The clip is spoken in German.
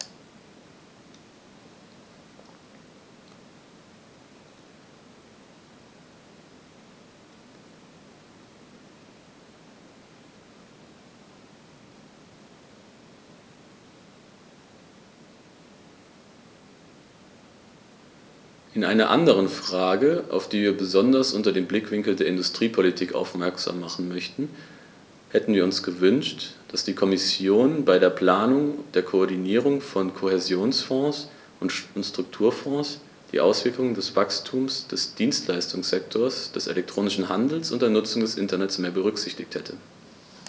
In einer anderen Frage, auf die wir besonders unter dem Blickwinkel der Industriepolitik aufmerksam machen möchten, hätten wir uns gewünscht, dass die Kommission bei der Planung der Koordinierung von Kohäsionsfonds und Strukturfonds die Auswirkungen des Wachstums des Dienstleistungssektors, des elektronischen Handels und der Nutzung des Internets mehr berücksichtigt hätte.